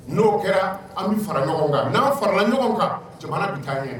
N'o kɛra an bɛ fara ɲɔgɔn kan'an fara ɲɔgɔn kan jamana bɛ taa